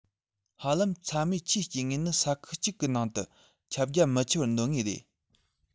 ཧ ལམ ཚྭ མེད ཆུའི སྐྱེ དངོས ནི ས ཁུལ གཅིག གི ནང དུ ཁྱབ རྒྱ མི ཆེ བར འདོད ངེས རེད